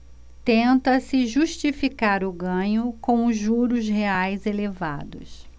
tenta-se justificar o ganho com os juros reais elevados